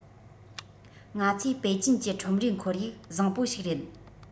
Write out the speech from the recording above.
ང ཚོས པེ ཅིན གྱི ཁྲོམ རའི ཁོར ཡུག བཟང པོ ཞིག རེད